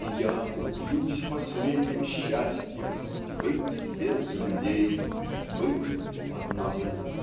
И я упьюсь последним счастьем Быть без людей быть одному